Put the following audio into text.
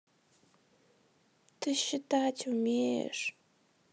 ты считать умеешь